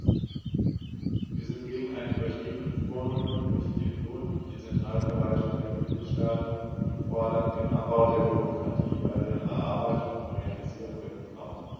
Wir sind gegen eine übertriebene Bevormundung durch die Union und die Zentralverwaltungen der Mitgliedstaaten und fordern den Abbau der Bürokratie bei der Erarbeitung und Realisierung der Programme.